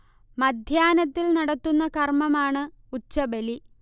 മധ്യാഹ്നത്തിൽ നടത്തുന്ന കർമമാണ് ഉച്ചബലി